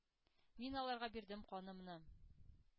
Мин аларга бирдем канымны,